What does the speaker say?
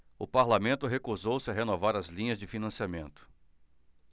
o parlamento recusou-se a renovar as linhas de financiamento